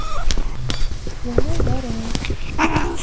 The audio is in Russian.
зулу варриор